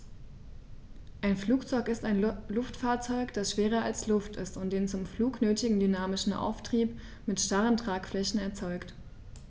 Ein Flugzeug ist ein Luftfahrzeug, das schwerer als Luft ist und den zum Flug nötigen dynamischen Auftrieb mit starren Tragflächen erzeugt.